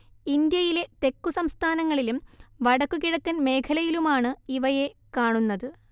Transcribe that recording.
ഇന്ത്യയിലെ തെക്കുസംസ്ഥാനങ്ങളിലും വടക്ക് കിഴക്കൻ മേഖലയിലുമാണ് ഇവയെ കാണുന്നത്